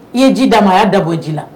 I ye ji da ma'a dabɔ ji la